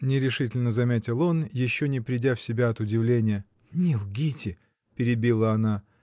— нерешительно заметил он, еще не придя в себя от удивления. — Не лгите! — перебила она.